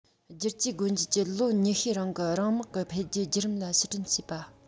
བསྒྱུར བཅོས སྒོ འབྱེད ཀྱི ལོ ཉི ཤུའི རིང གི རང དམག གི འཕེལ རྒྱས བརྒྱུད རིམ ལ ཕྱིར དྲན བྱེད པ